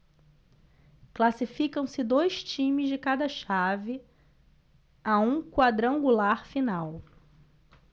classificam-se dois times de cada chave a um quadrangular final